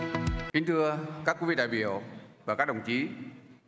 kính thưa các vị đại biểu và các đồng chí